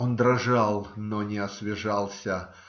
Он дрожал, но не освежался.